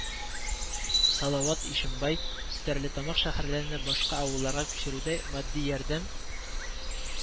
Салават, Ишембай, Стәрлетамак шәһәрләренә, башка авылларга күчерүдә матди ярдәм